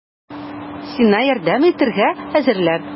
Сиңа ярдәм итәргә әзерләр!